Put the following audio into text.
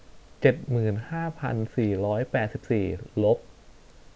เจ็ดหมื่นห้าพันสี่ร้อยแปดสิบสี่ลบ